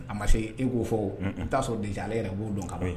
A ma se e k'o fɔ u t'a sɔrɔ dez ale yɛrɛ b'o dɔn ka